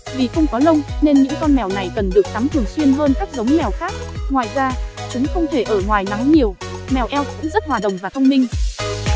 vì không có lông nên những con mèo này cần được tắm thường xuyên hơn các giống mèo khác ngoài ra chúng không thể ở ngoài nắng nhiều mèo elf cũng rất hòa đồng và thông minh